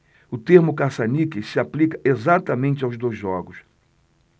o termo caça-níqueis se aplica exatamente aos dois jogos